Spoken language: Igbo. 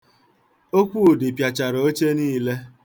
Okwudị pịachara oche nille.